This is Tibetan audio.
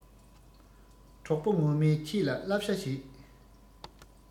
གྲོགས པོ ངོ མས ཁྱེད ལ སླབ བྱ བྱེད